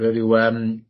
fel ryw yym